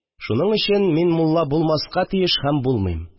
Шуның өчен мин мулла булмаска тиеш һәм булмыйм